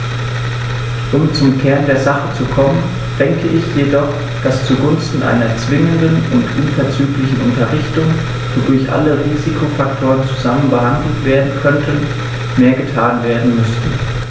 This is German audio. Um zum Kern der Sache zu kommen, denke ich jedoch, dass zugunsten einer zwingenden und unverzüglichen Unterrichtung, wodurch alle Risikofaktoren zusammen behandelt werden könnten, mehr getan werden müsste.